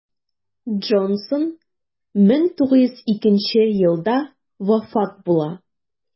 Джонсон 1902 елда вафат була.